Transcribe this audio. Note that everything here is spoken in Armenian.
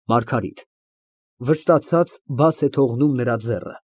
ՄԱՐԳԱՐԻՏ ֊ (Վշտացած, բաց է թողնում նրա ձեռքը)